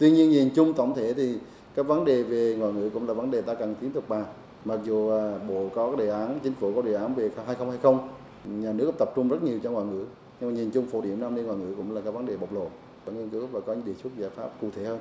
tuy nhiên nhìn chung tổng thể thì các vấn đề về ngoại ngữ cũng là vấn đề ta cần tiến tục bàn mặc dù bộ có đề án chính phủ có đề án bị phạt hay không hai không nhà nước tập trung rất nhiều cho ngoại ngữ nhưng nhìn chung phổ điểm năm nay ngoại ngữ cũng là cái vấn đề bộc lộ nghiên cứu và có đề xuất giải pháp cụ thể hơn